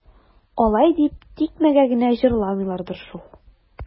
Алай дип тикмәгә генә җырламыйлардыр шул.